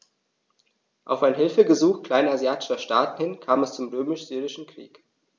Auf ein Hilfegesuch kleinasiatischer Staaten hin kam es zum Römisch-Syrischen Krieg.